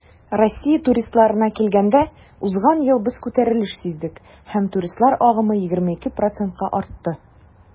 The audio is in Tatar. Россия туристларына килгәндә, узган ел без күтәрелеш сиздек һәм туристлар агымы 22 %-ка артты.